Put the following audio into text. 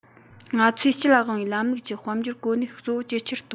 ང ཚོས སྤྱི ལ དབང བའི ལམ ལུགས ཀྱི དཔལ འབྱོར གོ གནས གཙོ བོ ཇེ ཆེར གཏོང